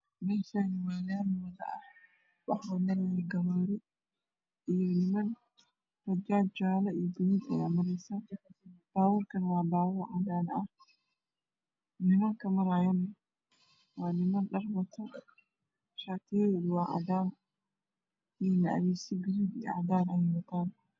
Mashaein waa mel lami ah waxaa maraya gawari iyo nimna bajaj saran jale iyo gaduud ah iyo gari cadan ah